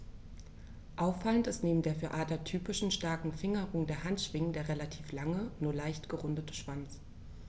Auffallend ist neben der für Adler typischen starken Fingerung der Handschwingen der relativ lange, nur leicht gerundete Schwanz.